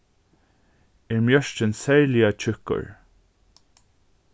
er mjørkin serliga tjúkkur